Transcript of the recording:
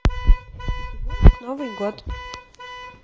пятигорск новый год